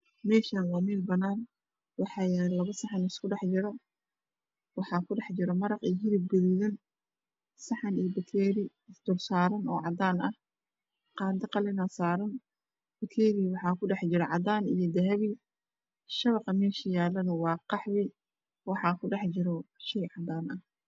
Meshan waa meel banaan waxaa yaalo labosaxan oo isku dhax jiro waxaa kudhax jiro maraq iyo hiba gudoodan saxn iyo bakeeri dulsaaran oo cadaan ah qaado qaliah aasaaran bakiiriga waxaa kudhex jiro cadan iyo dahabi shabaqa mesha yaalo waa qaxwi waxaa kudhejiro shey cadanah